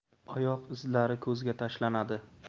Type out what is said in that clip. oyoq izlari ko'zga tashlanadi